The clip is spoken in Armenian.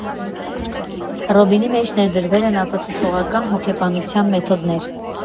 Ռոբինի մեջ ներդրվել են ապացուցողական հոգեբանության մեթոդներ.